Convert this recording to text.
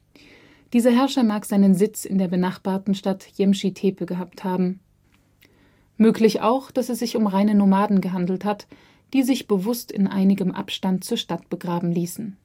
Dieser Herrscher mag seinen Sitz in der benachbarten Stadt Yemschi Tepe gehabt haben. Möglich auch, dass es sich um reine Nomaden gehandelt hat, die sich bewusst in einigem Abstand zur Stadt begraben ließen